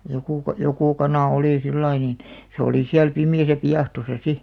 joku - joku kana oli sillä lailla niin se oli siellä pimeässä piahtossa sitten